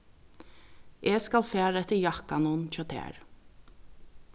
eg skal fara eftir jakkanum hjá tær